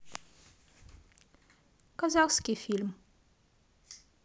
казахский фильм